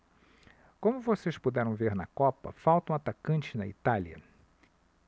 como vocês puderam ver na copa faltam atacantes na itália